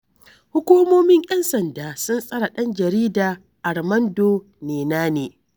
Hukumomin 'yan sanda sun tsare ɗan jarida Armando Nenane.